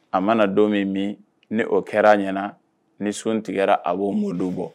A mana don min min ni o kɛra a ɲɛna ni sun tigɛ a b'o mɔ don bɔ